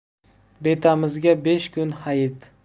betamizga besh kun hayit